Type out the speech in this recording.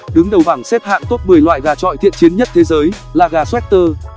đứng đầu bảng xếp hạng top loại gà chọi thiện chiến nhất thế giới là gà sweater